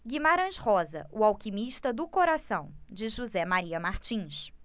guimarães rosa o alquimista do coração de josé maria martins